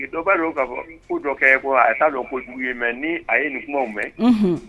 Dɔba don ka fɔ ko dɔ kɛ bɔ a t'a dɔn ko jugu ye mɛ ni a ye nin kumaw mɛn